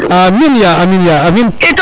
aminn ya amiin Ya amiin